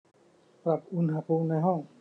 ปรับอุณหภูมิในห้อง